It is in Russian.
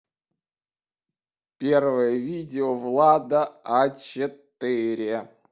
первое видео влада а четыре